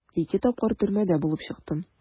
Ике тапкыр төрмәдә булып чыктым.